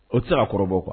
O sera kɔrɔbɔ kuwa